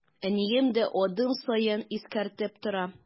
Әнием дә адым саен искәртеп тора.